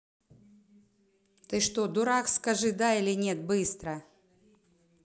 ты что дурак скажи да или нет быстро